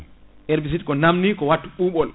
herbicide ko namdi ko wattu ɓuɓol